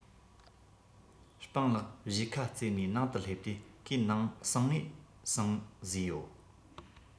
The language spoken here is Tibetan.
སྤང ལགས གཞིས ཁ རྩེ ནས ནང དུ སླེབས དུས ཁོའི ནང ཟང ངེ ཟིང བཟོས ཡོད